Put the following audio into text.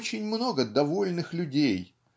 очень много довольных людей